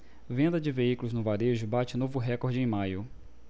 venda de veículos no varejo bate novo recorde em maio